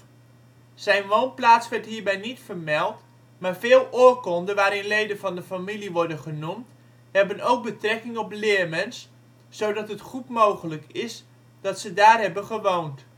Zijn woonplaats werd hierbij niet vermeld, maar veel oorkonden waarin leden van de familie worden genoemd, hebben ook betrekking op Leermens, zodat het goed mogelijk is dat ze daar hebben gewoond. In